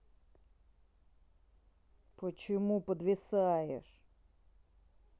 почему подвисаешь